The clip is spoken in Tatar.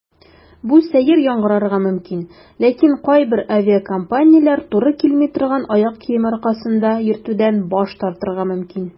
Бу сәер яңгырарга мөмкин, ләкин кайбер авиакомпанияләр туры килми торган аяк киеме аркасында йөртүдән баш тартырга мөмкин.